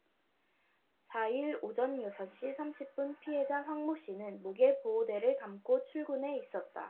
사 일 오전 여섯 시 삼십 분 피해자 황모씨는 목에 보호대를 감고 출근해 있었다